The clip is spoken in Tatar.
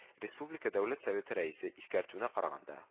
Республика Дәүләт Советы Рәисе искәртүенә караганда